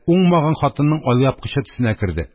Уңмаган хатынның алъяпкычы төсенә керде.